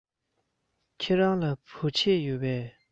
ཁྱེད རང ལ བོད ཆས ཡོད པས